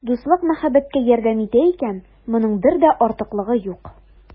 Дуслык мәхәббәткә ярдәм итә икән, моның бер дә артыклыгы юк.